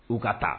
U ka taa